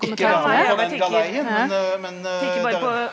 ikkje vere med på den galeien men men der.